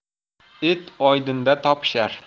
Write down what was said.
it oydinda topishar